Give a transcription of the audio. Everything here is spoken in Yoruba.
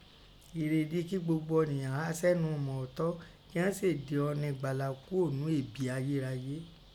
èrèèdi ki gbogbo ọ̀niyan há sẹ́nu ìmọ̀ ọ̀ọ́tọ́, kíghọ́n sèè di ọni ẹ̀gbala kúò ńnu èbi ayeraye